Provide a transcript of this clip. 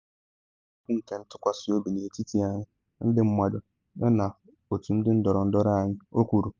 ‘Nke a ugbu a bụ okwu nke ntụkwasị obi n’etiti anyị - ndị mmadụ - yana otu ndị ndọrọndọrọ anyị,’ o kwuru.